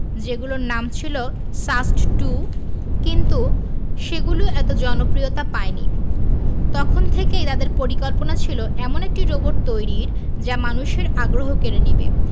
যেগুলোর নাম ছিল সাস্ট টু কিন্তু সেগুলো এত জনপ্রিয়তা পায়নি তখন থেকেই তাদের পরিকল্পনা ছিল এমন একটি রোবট তৈরির যা মানুষের আগ্রহ কেড়ে নেবে